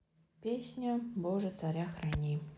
песня боже царя храни